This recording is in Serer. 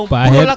paxeer paxeer